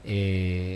Ee